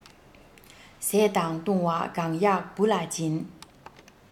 བཟས དང བཏུང བ གང ཡག བུ ལ སྦྱིན